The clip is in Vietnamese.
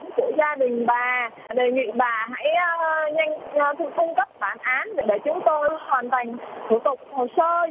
của gia đình bà đề nghị bà hãy nhanh cung cấp bản án để chúng tôi hoàn thành thủ tục hồ sơ